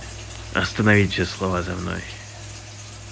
остановить все слова за мной